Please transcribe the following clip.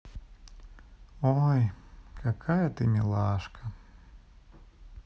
ой какая ты милашка